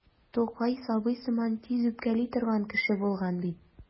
Тукай сабый сыман тиз үпкәли торган кеше булган бит.